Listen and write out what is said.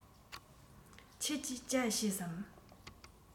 ཁྱེད ཀྱིས ཇ བཞེས སམ